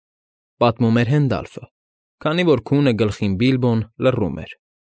Պատմում էր Հենդալֆը, քանի որ քունը գլխին Բիլբոն լռում էր։